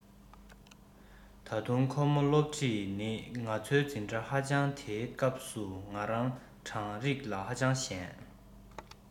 ད དུང ཁོ མོའི སློབ ཁྲིད ནི ང ཚོའི འཛིན གྲྭ ཧ ཅང དེའི སྐབས སུ ང རང གྲངས རིག ལ ཧ ཅང ཞན